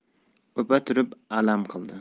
o'pa turib alam qildi